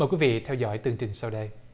quý vị theo dõi tường trình sau đây